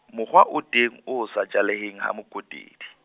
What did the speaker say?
mokgwa o teng, o sa jaleheng ha Mokotedi.